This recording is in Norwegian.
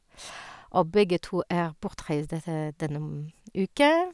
Og begge to er bortreiste te denne uke.